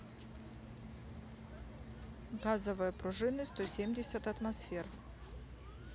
газовые пружины сто семьдесят атмосфер